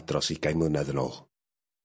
...dros ugain mlynedd yn ôl.